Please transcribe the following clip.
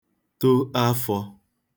to afọ̄